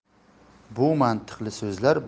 bu mantiqli so'zlar